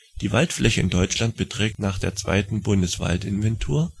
Die Waldfläche in Deutschland beträgt nach der zweiten Bundeswaldinventur